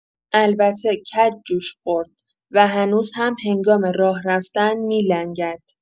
البته کج جوش خورد و هنوز هم هنگام راه‌رفتن می‌لنگد.